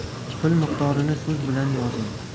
pul miqdorini so'z bilan yozing